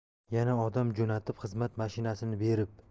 yana odam jo'natib xizmat mashinasini berib